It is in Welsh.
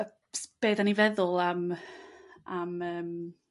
Y ps- be' 'dyn ni feddwl am am yrm